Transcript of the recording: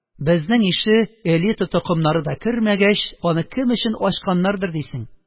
Безнең ише элита токымнары да кермәгәч, аны кем өчен ачканнардыр дисең.